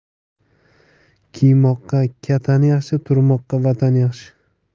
kiymoqqa katan yaxshi turmoqqa vatan yaxshi